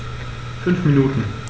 5 Minuten